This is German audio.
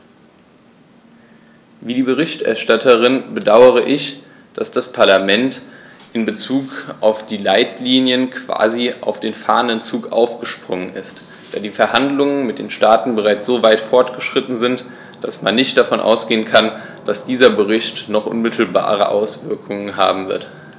Wie die Berichterstatterin bedaure ich, dass das Parlament in bezug auf die Leitlinien quasi auf den fahrenden Zug aufgesprungen ist, da die Verhandlungen mit den Staaten bereits so weit fortgeschritten sind, dass man nicht davon ausgehen kann, dass dieser Bericht noch unmittelbare Auswirkungen haben wird.